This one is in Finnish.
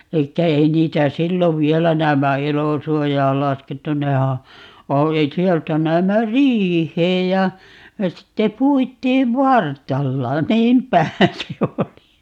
eli ei niitä silloin vielä näemmä elosuojaan laskettu nehän - sieltä näemmä riiheen ja ja sitten puitiin vartalla niinpähän se oli